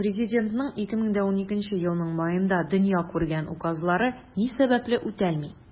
Президентның 2012 елның маенда дөнья күргән указлары ни сәбәпле үтәлми?